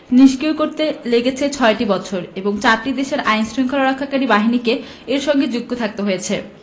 নিষ্ক্রিয় করতে লেগেছে ছয়টি বছর এবং চারটি দেশের আইনশৃঙ্খলা রক্ষাকারী বাহিনীকে এর সঙ্গে যুক্ত থাকতে হয়েছে